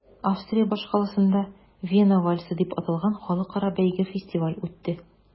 Австрия башкаласында “Вена вальсы” дип аталган халыкара бәйге-фестиваль үтте.